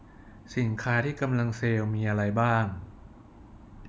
สินค้าที่กำลังเซลล์มีอะไรบ้าง